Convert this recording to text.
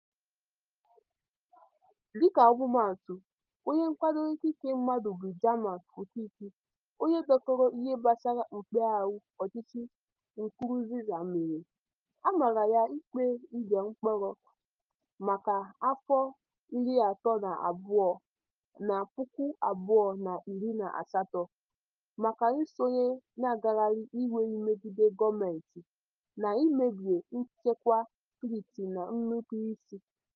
Dịka ọmụmaatụ, onye nkwado ikike mmadụ bụ Germain Rukiki, onye dekọrọ ihe gbasara mmekpaahụ ọchịchị Nkurunziza mere, a mara ya ikpe ịga mkpọrọ maka afọ 32 na 2018 maka nsonye na ngagharị iwe ịmegide gọọmentị, na mmebi nchekwa steeti na nnupụisi.